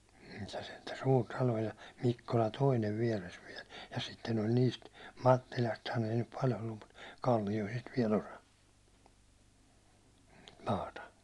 niin se sentään suuri talo ja Mikkola toinen vieressä vielä ja sitten oli niistä Mattilastahan ei nyt paljon ollut mutta Kallioisista vielä osa maata